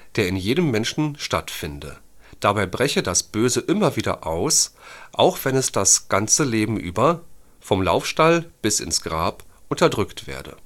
der in jedem Menschen stattfinde. Dabei breche das Böse immer wieder aus, auch wenn es das ganze Leben über („ Vom Laufstall bis ins Grab “) unterdrückt werde